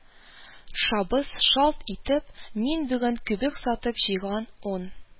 Шабыз, шалт итеп, мин бүген күбек сатып җыйган ун